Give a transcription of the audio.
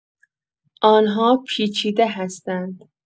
آن‌ها پیچیده هستند.